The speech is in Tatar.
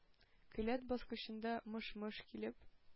Келәт баскычында мыш-мыш килеп